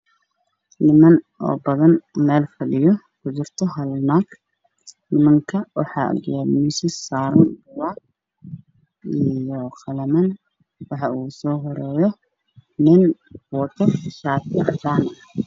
Waa meel xafiis ah waxaa fadhiya niman iyo naaga fara badan kuraas ayey ku fadhiyaan miis ayaa horyaalo shir iyo ku jiraan